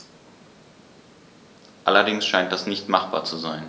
Allerdings scheint das nicht machbar zu sein.